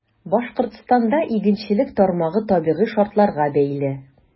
Башкортстанда игенчелек тармагы табигый шартларга бәйле.